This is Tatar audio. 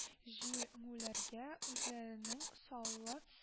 Җиңүләргә үзләренең саллы